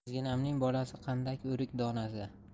qizginamning bolasi qandak o'rik donasi